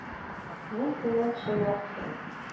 Мин синнән чынлап сорыйм.